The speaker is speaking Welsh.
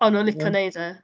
O'n nhw'n lico wneud e?